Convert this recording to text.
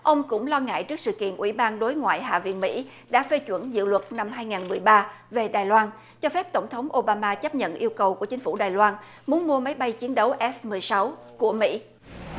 ông cũng lo ngại trước sự kiện ủy ban đối ngoại hạ viện mỹ đã phê chuẩn dự luật năm hai ngàn mười ba về đài loan cho phép tổng thống ô ba ma chấp nhận yêu cầu của chính phủ đài loan muốn mua máy bay chiến đấu ép mười sáu của mỹ